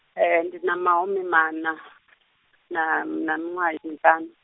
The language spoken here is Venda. ndi na mahumimaṋa , na, na miṅwaha miṱanu.